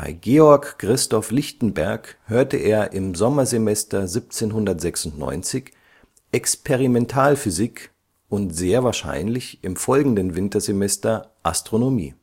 Georg Christoph Lichtenberg hörte er im Sommersemester 1796 Experimentalphysik und sehr wahrscheinlich im folgenden Wintersemester Astronomie